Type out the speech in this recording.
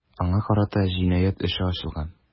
Аңа карата җинаять эше ачылган.